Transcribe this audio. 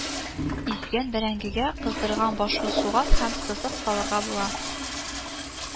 Изгән бәрәңгегә кыздырган башлы суган һәм сызык салырга була